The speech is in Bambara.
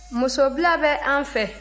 musobila bɛ an fɛ